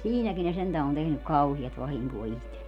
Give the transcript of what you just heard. siinäkin ne sentään on tehnyt kauheasti vahinkoa itselleen